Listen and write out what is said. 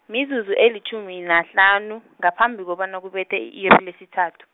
mizuzu elitjhumi nahlanu, ngaphambi kobana kubethe i-iri lesithathu.